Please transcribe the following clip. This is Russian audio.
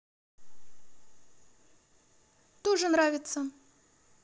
тоже нравится